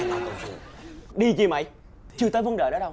đi đi chi mày chưa tới vấn đề đó đâu